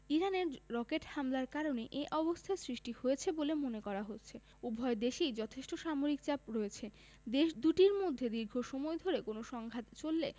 ইরানের রকেট হামলার কারণে এ অবস্থার সৃষ্টি হয়েছে বলে মনে করা হচ্ছে উভয় দেশেই যথেষ্ট সামরিক চাপ রয়েছে দেশ দুটির মধ্যে দীর্ঘ সময় ধরে কোনো সংঘাত চললে